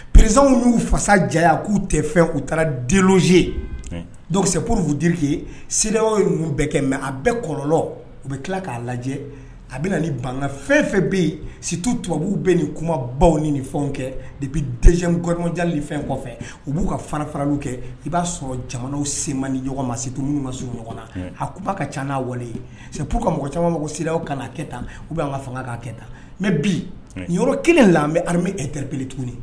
Perezw y'u fasa diya k'u tɛ fɛ u taara dene sepurfutiriki ye seli bɛɛ kɛ mɛ a bɛɛ kɔlɔnlɔ u bɛ tila k'a lajɛ a bɛ na ni bange fɛn fɛn bɛ yen situ tubabubuw bɛ nin kumabaw ni ni fɛnw kɛ de bɛ dɛja ni fɛn kɔfɛ u b'u ka fara faraw kɛ i b'a sɔrɔ jamana senma ni ɲɔgɔn ma situ masiw ɲɔgɔn na abaa ka ca n'a wale seu ka mɔgɔ caman siraw kan'a kɛ tan u bɛ an ka fanga'a kɛ tan mɛ bi yɔrɔ kelen la bɛme edɛrɛele tuguni